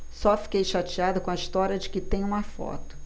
só fiquei chateada com a história de que tem uma foto